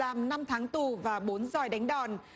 giam năm tháng tù và bốn giỏi đánh đòn